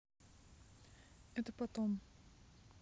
это потом